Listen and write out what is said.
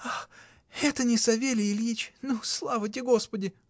— Ах, — это не Савелий Ильич, ну, слава-те Господи!